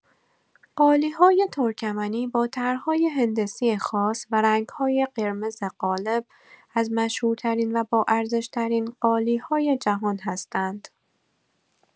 قالی‌های ترکمنی با طرح‌های هندسی خاص و رنگ‌های قرمز غالب، از مشهورترین و باارزش‌ترین قالی‌های جهان هستند.